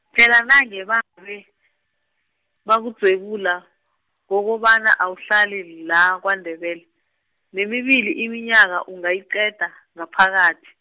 phela nange bakudzwebula, ngokobana awuhlali la kwaNdebele, namibili iminyaka ungayiqeda, ngaphakathi.